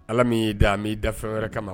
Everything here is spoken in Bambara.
Ala min y'i da b'i da fɛn wɛrɛ kama